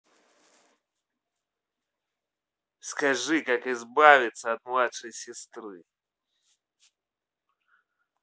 скажи как избавиться от младшей сестры